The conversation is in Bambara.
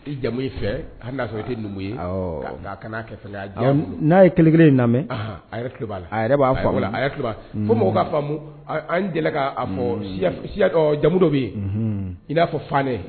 I jamu fɛ hali na sɔrɔ i tɛ numu ye. A ka na na ye kelen kelen in lamɛ a la a yɛrɛ b'a abafo mɔgɔw ka famu an deli la ka fɔ jamu dɔ be yen i na fɔ fan